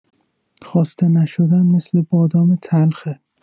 خواسته نشدن مثل بادام تلخه.